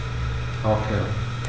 Aufhören.